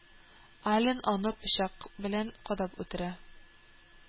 Ален аны пычак белән кадап үтерә